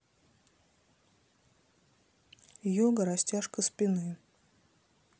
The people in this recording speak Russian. йога растяжка спины